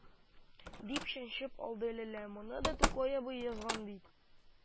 Дип чәнчеп алды ләлә: – моны да тукай абый язган бит,